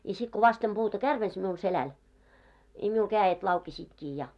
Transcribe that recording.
ja sitten kun vasten puuta kärvensi minulla selän i minulla kädet laukesivatkin ja